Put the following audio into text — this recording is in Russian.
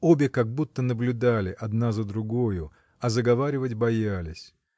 Обе как будто наблюдали одна за другою, а заговаривать боялись.